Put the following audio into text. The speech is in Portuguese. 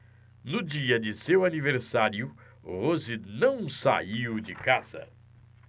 no dia de seu aniversário rose não saiu de casa